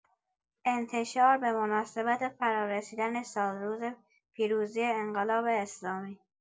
انتشار به مناسبت فرارسیدن سالروز پیروزی انقلاب اسلامی